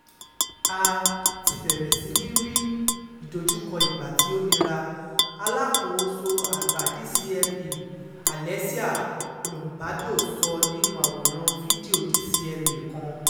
"A [ti bẹ̀rẹ̀] sí í ní rí ìdojúkọ ìgbà tí ó nira", alákòóso àgbàa DCMA, Alessia Lombardo sọ, nínúu àwòrán fídíò DCMA kan.